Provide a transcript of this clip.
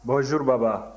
bonjour baba